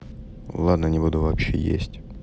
ладно не буду вообще есть